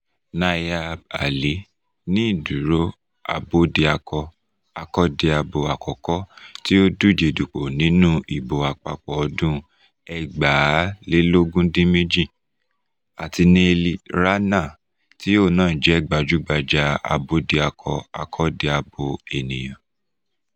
Nayaab Ali (ní ìdúró), abódiakọ-akọ́diabo àkọ́kọ́ tí ó dújedupò nínú ìbò àpapọ̀ ọdún 2018, àti Neeli Rana, tí òun náà jẹ́ gbajúgbajà abódiakọ-akọ́diabo ènìyàn.